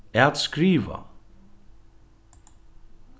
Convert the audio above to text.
at skriva